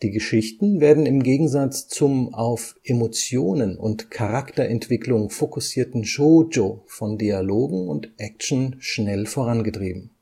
Geschichten werden im Gegensatz zum auf Emotionen und Charakterentwicklung fokussierten Shōjo von Dialogen und Action schnell vorangetrieben